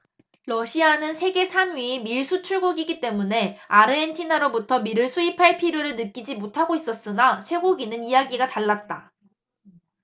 러시아는 세계 삼 위의 밀 수출국이기 때문에 아르헨티나로부터 밀을 수입할 필요를 느끼지 못하고 있었으나 쇠고기는 이야기가 달랐다